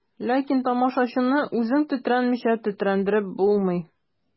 Ләкин тамашачыны үзең тетрәнмичә тетрәндереп булмый.